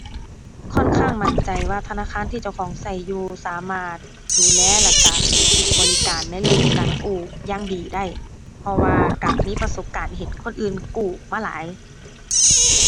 ค่อนข้างมั่นใจว่าธนาคารที่เจ้าของใช้อยู่ สามารถดูแลแล้วใช้บริการในเรื่องของการกู้อย่างดีได้ เพราะว่า ใช้มีประสบการณ์เห็นคนอื่นกู้มาหลาย